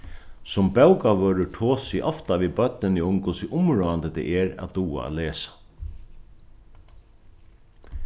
sum bókavørður tosi eg ofta við børnini um hvussu umráðandi tað er at duga at lesa